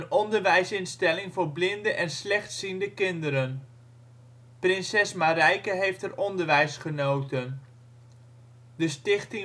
onderwijsinstelling voor blinde en slechtziende kinderen. Prinses Marijke heeft er onderwijs genoten. De